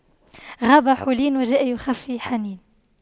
غاب حولين وجاء بِخُفَّيْ حنين